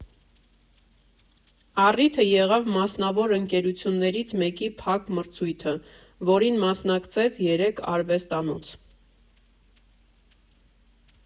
Առիթը եղավ մասնավոր ընկերություններից մեկի փակ մրցույթը, որին մասնակցեց երեք արվեստանոց։